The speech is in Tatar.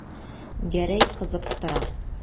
Гәрәй кызыктыра.